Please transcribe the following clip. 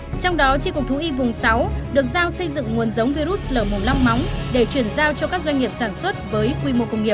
trong đó chi cục thú y vùng sáu được giao xây dựng nguồn giống virus lở mồm long móng để chuyển giao cho các doanh nghiệp sản xuất với quy mô công nghiệp